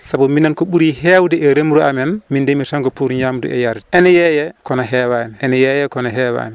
saabu minen ko hewde e remru amen mi deemirta tan ko pour ñamdu e yardu ene yeeye kono hewani ene yeeye kono hewani